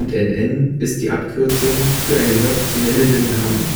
N. N. – Abkürzung für einen noch zu nennenden Namen